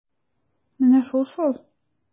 Менә шул-шул!